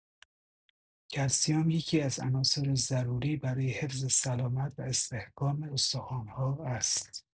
کلسیم یکی‌از عناصر ضروری برای حفظ سلامت و استحکام استخوان‌ها است.